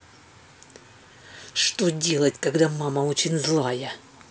что делать когда мама очень злая